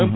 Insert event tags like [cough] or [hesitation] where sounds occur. [hesitation] [hesitation]